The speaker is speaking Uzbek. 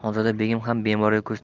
xonzoda begim ham memorga ko'z tikishdi